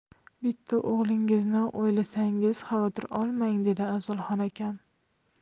bitta o'g'lingizni o'ylasangiz xavotir olmang dedi afzalxon akam